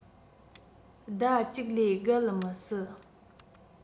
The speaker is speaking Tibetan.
ཟླ ཅིག ལས བརྒལ མི སྲིད